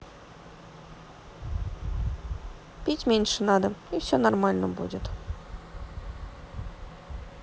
пить меньше надо и все нормально будет